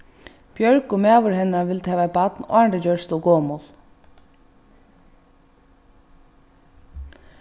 bjørg og maður hennara vildu hava eitt barn áðrenn tey gjørdust ov gomul